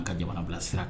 An ka jamana bila sira